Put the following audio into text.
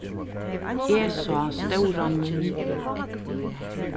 eg sá stóran mun